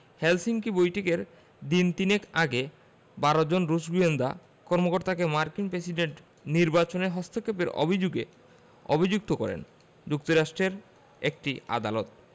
Helsinki বৈঠকের দিন তিনেক আগে ১২ জন রুশ গোয়েন্দা কর্মকর্তাকে মার্কিন প্রেসিডেন্ট নির্বাচনে হস্তক্ষেপের অভিযোগে অভিযুক্ত করেন যুক্তরাষ্ট্রের একটি আদালত